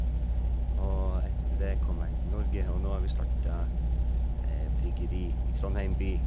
Og etter det kom jeg til Norge, og nå har vi starta bryggeri i Trondheim by.